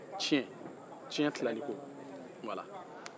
tiɲɛ-tiɲɛ tilan cogo wala